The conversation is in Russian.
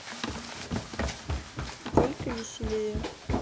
только веселее